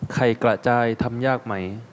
ไข่กระจายทำยากไหม